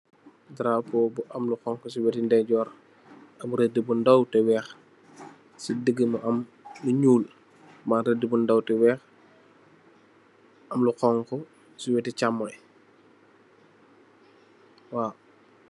Darapóó bu am lu xonxu ci weti ndayjoor am redd bu ndaw te wèèx, ci Digi mu am ñuul am redd bu ndaw te wèèx am lu xonxu ci weti caaymoy.